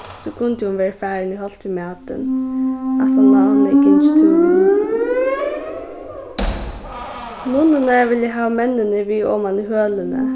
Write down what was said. so kundi hon verið farin í holt við matin aftan á hon hevði gingið túr við hundinum nunnurnar vilja hava menninir við oman í hølini